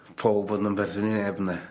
powb ond yn berthen i neb ynde.